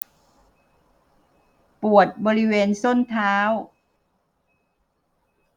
ปวดบริเวณส้นเท้า